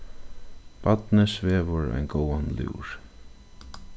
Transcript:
barnið svevur ein góðan lúr